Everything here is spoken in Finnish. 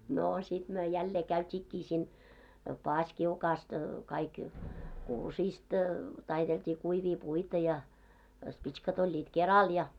no sitten me jälleen käytiinkin siinä paasikiukaasta kaikki kuusista taiteltiin kuivia puita ja pitskat olivat keralla ja